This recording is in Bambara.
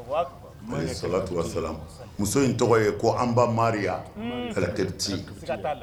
Sa muso in tɔgɔ ye ko anba terireti